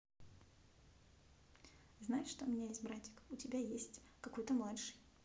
знаешь что у меня есть братик у тебя есть какой то младший